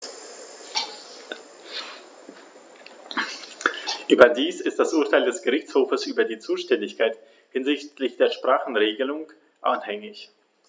Überdies ist das Urteil des Gerichtshofes über die Zuständigkeit hinsichtlich der Sprachenregelung anhängig.